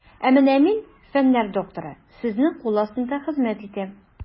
Ә менә мин, фәннәр докторы, сезнең кул астында хезмәт итәм.